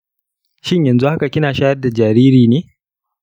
shin yanxu haka kina shayar da jariri ne?